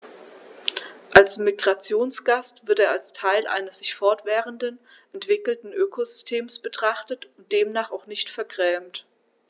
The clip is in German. Als Migrationsgast wird er als Teil eines sich fortwährend entwickelnden Ökosystems betrachtet und demnach auch nicht vergrämt.